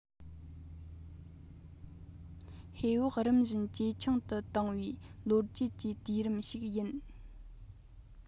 ཧེ བག རིམ བཞིན ཇེ ཆུང དུ གཏོང བའི ལོ རྒྱུས ཀྱི དུས རིམ ཞིག ཡིན